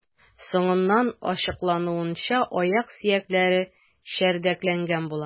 Соңыннан ачыклануынча, аяк сөякләре чәрдәкләнгән була.